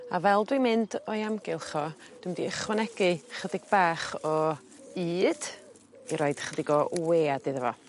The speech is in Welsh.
A fel dwi mynd o'i amgylch o dwi mynd i ychwanegu chydig bach o ud i roid chydig o wead iddo fo.